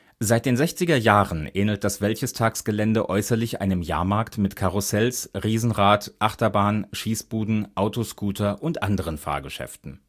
Seit den sechziger Jahren ähnelt das Wäldchestagsgelände äußerlich einem Jahrmarkt mit Karussells, Riesenrad, Achterbahn, Schießbuden, Autoscooter und anderen Fahrgeschäften